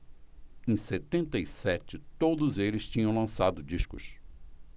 em setenta e sete todos eles tinham lançado discos